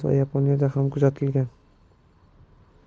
va yaponiyada ham kuzatilgan